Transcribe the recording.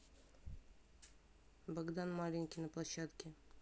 богдан маленький на площадке